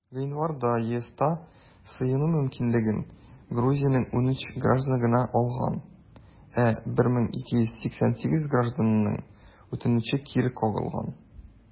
Гыйнварда ЕСта сыену мөмкинлеген Грузиянең 13 гражданы гына алган, ә 1288 гражданның үтенече кире кагылган.